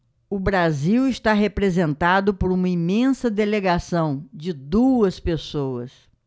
o brasil está representado por uma imensa delegação de duas pessoas